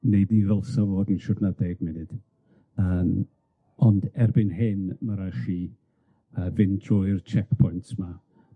Neu mi ddylsa fod yn siwrna deg munud yym ond erbyn hyn ma' rai' chi yy fynd trwy'r checkpoints 'ma.